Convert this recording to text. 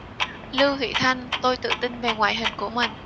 lưu thị thanh tôi tự tin về ngoại hình của mình